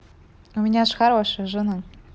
у меня ж хорошая жена